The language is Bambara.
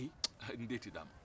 curu ayi n den tɛ di a ma